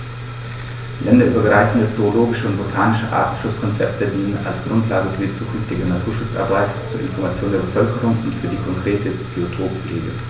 Länderübergreifende zoologische und botanische Artenschutzkonzepte dienen als Grundlage für die zukünftige Naturschutzarbeit, zur Information der Bevölkerung und für die konkrete Biotoppflege.